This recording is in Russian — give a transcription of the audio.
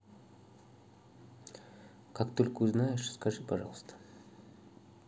как только узнаешь скажи пожалуйста